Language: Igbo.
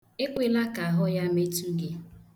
Ekwela ka ahụ ya metu gị.